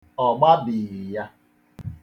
Ọ gbabighị ya.